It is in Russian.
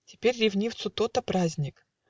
Теперь ревнивцу то-то праздник!